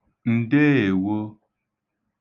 ǹdeèwo